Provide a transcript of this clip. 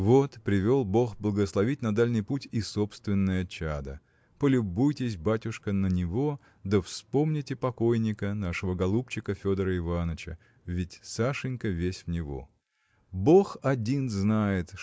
Вот привел бог благословить на дальний путь и собственное чадо. Полюбуйтесь батюшка на него да вспомните покойника нашего голубчика Федора Иваныча ведь Сашенька весь в него. Бог один знает